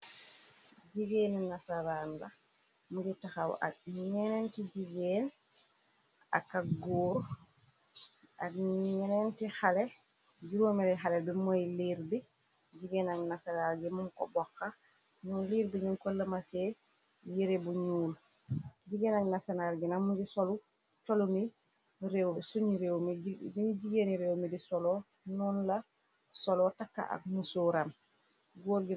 Jigéeni nasaraan la munji taxaw ak ñeneen ti jigeen ak ak góor ak ñeneeni juroomedi xale bi mooy liir bi jigeen añ nasarar gi mum ko bokxa ñoon liir bi ñu ko lëmasee yire bu ñuul jigeen ak nasenar gina muni oluiñi jigeeni réew mi di soloo ñoon la solo takka ak musuuramgór.